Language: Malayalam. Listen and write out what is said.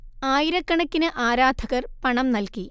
ആയിരക്കണക്കിന് ആരാധകർ പണം നൽകി